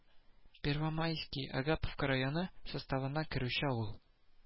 Первомайский Агаповка районы составына керүче авыл